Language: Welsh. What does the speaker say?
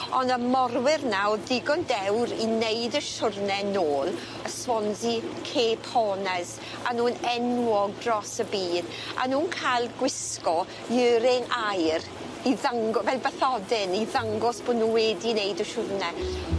On' y morwyr 'na o'dd digon dewr i neud y siwrne nôl y Swansea Cape Horners a nw'n enwog dros y byd a nw'n ca'l gwisgo earing aur i ddango- fel bathodyn i ddangos bo' nw wedi neud y siwrne.